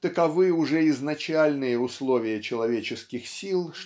таковы уже изначальные условия человеческих сил